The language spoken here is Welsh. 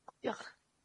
Diolch.